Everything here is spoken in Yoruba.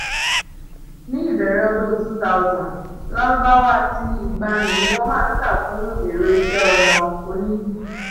Ní ìbẹ̀rẹ̀ ọdún 2000, Lárùbáwá ti ìgbànnì ni wọ́n máa ń kà kún èrò iṣẹ́ ọnà "oníyì".